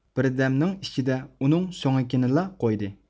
بىردەمنىڭ ئىچىدە ئۇنىڭ سۆڭىكىنىلا قويدى